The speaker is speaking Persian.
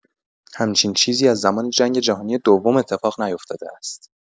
همچین چیزی از زمان جنگ جهانی دوم اتفاق نیفتاده است.